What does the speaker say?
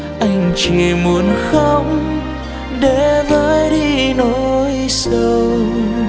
anh chỉ muốn khóc để vơi đi nỗi sầu